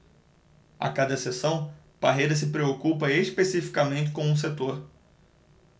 a cada sessão parreira se preocupa especificamente com um setor